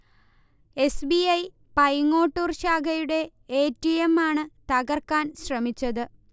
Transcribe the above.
S. B. I. Paingottoor ശാഖയുടെ A. T. എമ്മാണ് തകർക്കാൻ ശ്രമിച്ചത്